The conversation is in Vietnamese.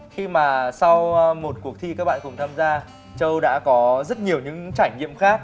khi mà sau ơ một cuộc thi các bạn cùng tham gia châu đã có rất nhiều những trải nghiệm khác